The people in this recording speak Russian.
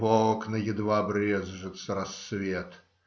В окна едва брезжится рассвет.